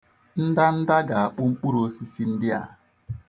Ndanda gà-àkpụ mkpụrụ osisi ndị a.